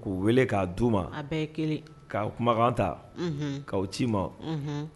K'u weele k'a du ma a bɛ kelen k' kumakan ta k'aw cii ma